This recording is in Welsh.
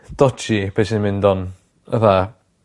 dodgi beth sy'n mynd on fatha